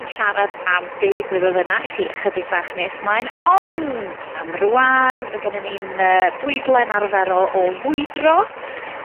...yn siarad am be' ddigwyddodd yna i chi ychydig bach nes ymlaen, ond am rŵan, ma' gynnon ni'n yy bwydlen arferol o fwydro,